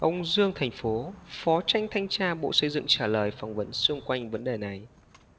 ông dương thành phố phó chánh thanh tra bộ xây dựng trả lời phỏng vấn xung quanh vấn đề này